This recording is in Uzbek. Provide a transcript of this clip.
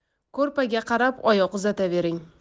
ko'rpaga qarab oyoq uzatavering